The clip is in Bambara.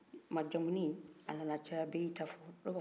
majamuli nana caya bɛɛ y'i ta fɔ